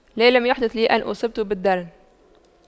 لا لم يحدث لي أن اصبت بالدرن